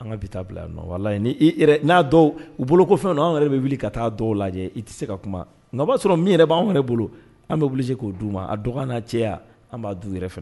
An ka bɛ taa bila yan nɔ wala n n'a dɔw u boloko ko fɛn don an yɛrɛ bɛ wuli ka taa dɔw lajɛ i tɛ se ka kuma nka o b'a sɔrɔ min yɛrɛ b'an yɛrɛ bolo an bɛ bilisi k'o d'u ma a dɔgɔnin'a cɛya an b'a dun yɛrɛ